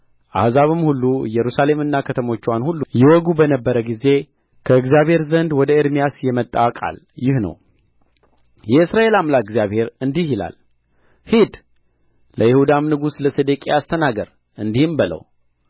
አሕዛብም ሁሉ ኢየሩሳሌምንና ከተሞችዋን ሁሉ ይወጉ በነበረ ጊዜ ከእግዚአብሔር ዘንድ ወደ ኤርምያስ የመጣ ቃል ይህ ነው የእስራኤል አምላክ